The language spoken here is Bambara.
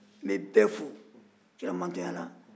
n bɛ bɛɛ fo kiramantonya la